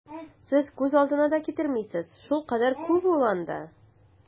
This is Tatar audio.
Сез күз алдына да китермисез, шулкадәр күп ул анда!